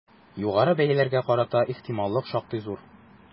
Югары бәяләргә карата ихтималлык шактый зур.